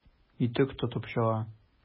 Итек тотып чыга.